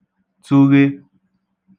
tụghe